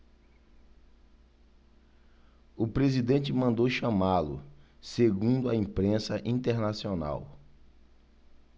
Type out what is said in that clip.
o presidente mandou chamá-lo segundo a imprensa internacional